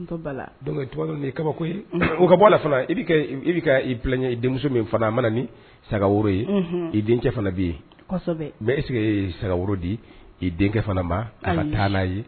Kabako ka bɔ i denmuso min a mana saga bɛ mɛ e saga di i ma ka taa n'a ye